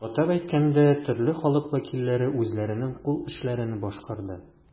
Атап әйткәндә, төрле халык вәкилләре үзләренең кул эшләрен башкарды.